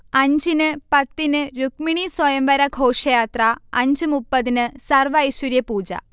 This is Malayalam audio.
അഞ്ചിന് പത്തിന് രുക്മിണീസ്വയംവര ഘോഷയാത്ര അഞ്ച് മുപ്പതിന് സർവൈശ്വര്യപൂജ